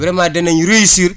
vraiment danañu réussir